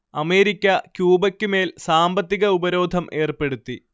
America ക്യൂബക്കുമേൽ സാമ്പത്തിക ഉപരോധം ഏർപ്പെടുത്തി